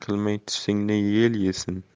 qilmay tusingni yel yesin